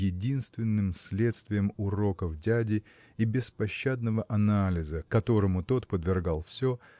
единственным следствием уроков дяди и беспощадного анализа которому тот подвергал все